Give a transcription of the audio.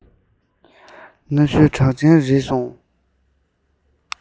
གནའ ཤུལ གྲགས ཅན རེད གསུངས